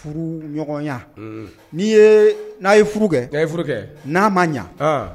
Furu n' n'a ye furu n'a ma ɲɛ